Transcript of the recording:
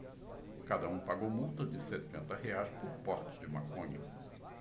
cada um pagou multa de setenta reais por porte de maconha